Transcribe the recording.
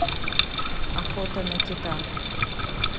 охота на кита